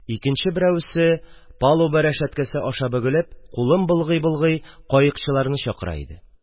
Икенче берәүсе палуба рәшәткәсе аша бөгелеп кулын болгый-болгый каекчыларны чакыра иде.